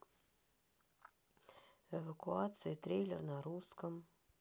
эвакуация трейлер на русском